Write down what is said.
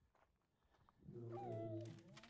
другая жизнь